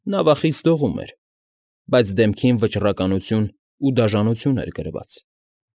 Նա վախից դողում էր, բայց դեմքին վճռականություն ու դաժանություն էր գրված։